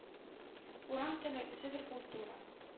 Урам теле – үзе бер культура